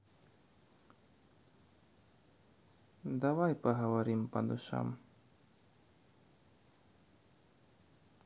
давай поговорим по душам